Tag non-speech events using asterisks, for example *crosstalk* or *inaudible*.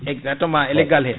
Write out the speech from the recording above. exactement e leggal he *smacks lips*